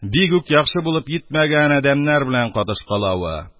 Бик үк яхшы булып йитмәгән адәмнәр берлән катышкалавы,